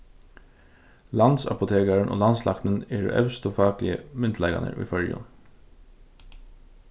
landsapotekarin og landslæknin eru evstu fakligu myndugleikarnir í føroyum